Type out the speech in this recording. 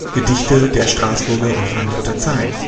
Gedichte der Straßburger und Frankfurter Zeit